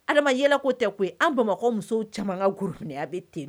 Adama yɛlɛ ko tɛ koyi. Anw Bamakɔ musow caman ka gorobinɛya be ten